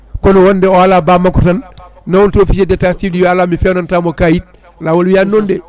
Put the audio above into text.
kono wonde o ala bammakko tan nawwon to officier d' état cicvil wiya ala mi fewnantamo kayit laawol wiyani noon de